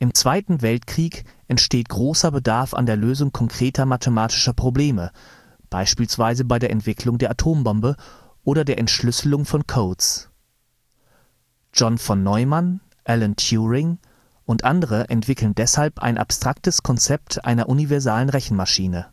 Zweiten Weltkrieg entsteht großer Bedarf an der Lösung konkreter mathematischer Probleme, beispielsweise bei der Entwicklung der Atombombe oder der Entschlüsselung von Codes. John von Neumann, Alan Turing und andere entwickeln deshalb ein abstraktes Konzept einer universalen Rechenmaschine